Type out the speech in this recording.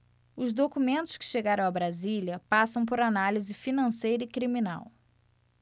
os documentos que chegaram a brasília passam por análise financeira e criminal